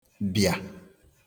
bị̀à